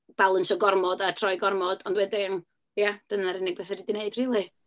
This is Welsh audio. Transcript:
balansio gormod a troi gormod. Ond wedyn, ia, dyna'r unig beth fedri di wneud rili.